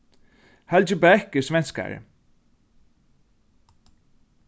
helgi bech er svenskari